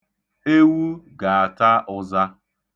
Ewu ga-ata ụza.